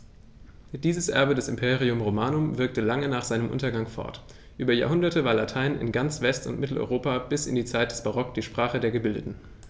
Dieses Erbe des Imperium Romanum wirkte lange nach seinem Untergang fort: Über Jahrhunderte war Latein in ganz West- und Mitteleuropa bis in die Zeit des Barock die Sprache der Gebildeten.